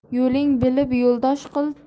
yo'ling bilib yo'ldosh qil